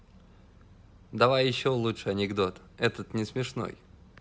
давай еще лучше анекдот этот не смешной